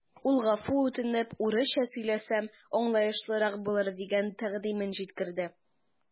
Ул гафу үтенеп, урысча сөйләсәм, аңлаешлырак булыр дигән тәкъдимен җиткерде.